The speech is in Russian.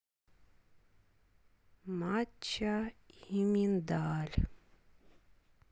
матча и миндаль